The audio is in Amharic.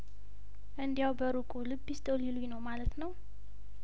እንዲያው በሩቁ ልብ ይስጠው ሊሉኝ ነው ማለት ነው